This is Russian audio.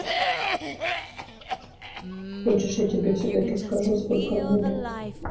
хочешь я тебя все таки скажу сколько мне лет